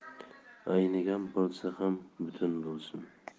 aynigan bo'lsa ham butun bo'lsin